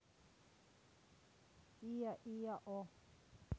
иа иа о